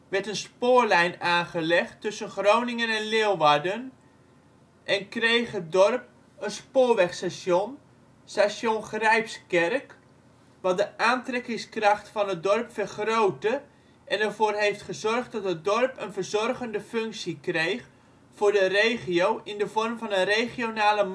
werd een spoorlijn aangelegd tussen Groningen en Leeuwarden en kreeg het dorp een spoorwegstation (Station Grijpskerk), wat de aantrekkingskracht van het dorp vergrootte en ervoor heeft gezorgd dat het dorp een verzorgende functie kreeg voor de regio in de vorm van een regionale